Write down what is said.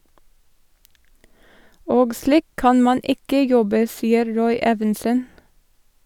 Og slik kan man ikke jobbe, sier Roy Evensen.